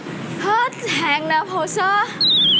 hết hạn nộp hồ sơ